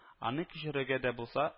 Аны кичерергә дә була